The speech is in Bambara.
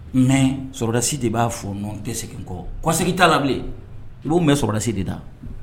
Mɛ sɔdasi de b'a fɔ nɔn tɛ segin n kɔ kɔse t'a labila i b'o mɛ sɔdasi de da